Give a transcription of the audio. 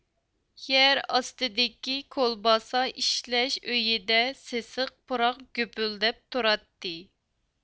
يەر ئاستىدىكى كولباسا ئىشلەش ئۆيىدە سېسىق پۇراق گۈپۈلدەپ تۇراتتى